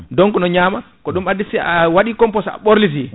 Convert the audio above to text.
donc no ñama ko ɗum addi si a waɗi composte a ɓorliti